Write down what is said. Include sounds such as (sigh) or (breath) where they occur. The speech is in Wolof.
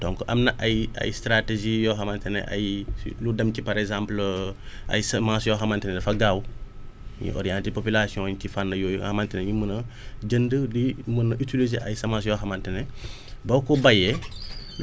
donc am na ay ay stratégies yoo xamante ne ay si lu dem si par exemple (hesitation) (breath) ay semences yoo xamante ne dafa gaaw ñu orienter population yi ci fànn yooyu xamante dañu mën a jënd luy mun a utiliser ay semences yoo xamante ne (breath) doo ko bàyyee (noise)